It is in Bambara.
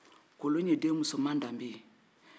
kolon ye den musoman danbe ye